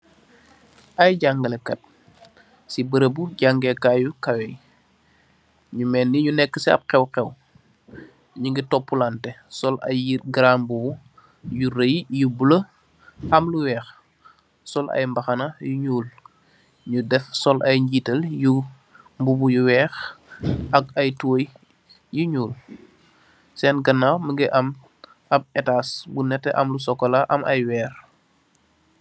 Ay jangalleh kat , si beaureaubu jangeh kai yu kawe , nyu meni nyu nek si ab khew khew , nyungi topulanteh , sol ay gra mbubu ,yu reye, yu buleau am lu wekh , sol ay mbakhana yu nyul , nyu def sol ay njital yu mbubu yu wekh , ak ay tuboye yu nyul , sen ganaw mungi ,am ab etass bu neteh ,am lu sokola ,am ay werr .